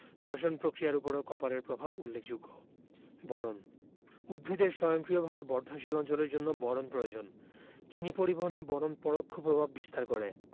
শ্বসন পক্রিয়ার উপরও কপারের প্রভাব উল্লেখযোগ্য বোরন উদ্ভিদের সক্রিয়ভাবে বর্ধনশীল অঞ্চলের জন্য বোরন প্রয়োজন চিনি পরিবহনে বোরন পরোক্ষ প্রভাব বিস্তার করে